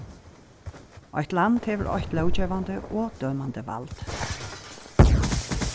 eitt land hevur eitt lóggevandi og dømandi vald